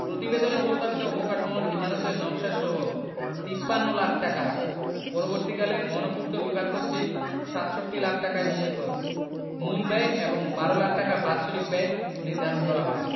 প্রতিবেদনে প্রস্তাবিত অবকাঠামোর ইমারতের নকশাসহ ৫৩ লাখ টাকা পরবর্তীকালে গণপূর্ত বিভাগ কর্তৃক ৬৭ লাখ ঢাকায় উন্নীত মূল ব্যয় এবং ১২ লাখ টাকা বাৎসরিক ব্যয় নির্ধারণ করা হয়